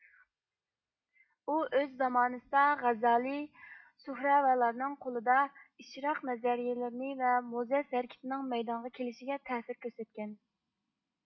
ئۇ ئۆز زامانىسىدا غەزالىي سۇھراۋەلەرنىڭ قولىدا ئىشراق نەزىرىيەلىرى ۋە موزەس ھەرىكىتىنىڭ مەيدانغا كىلىشىگە تەسىر كۆرسەتكەن